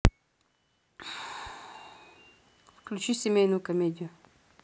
включи семейную комедию